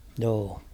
joo